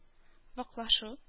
Ваклашу